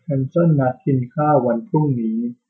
แคนเซิลนัดกินข้าววันพรุ่งนี้